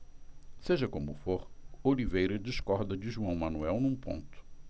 seja como for oliveira discorda de joão manuel num ponto